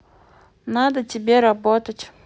надо тебе работать